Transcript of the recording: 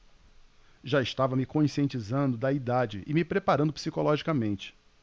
já estava me conscientizando da idade e me preparando psicologicamente